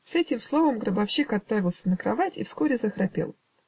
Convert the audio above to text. С этим словом гробовщик отправился на кровать и вскоре захрапел.